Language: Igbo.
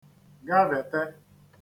gavète